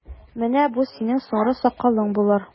Менә бу синең сары сакалың булыр!